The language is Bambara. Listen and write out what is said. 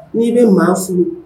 Ni bɛ maa furu